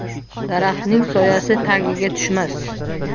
daraxtning soyasi tagiga tushmas